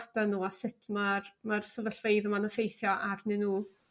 nw a sut ma'r ma'r sefyllfeydd ym yn effeithio arnyn nw?